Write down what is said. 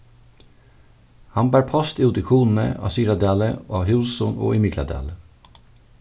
hann bar út post í kunoy á syðradali á húsum og í mikladali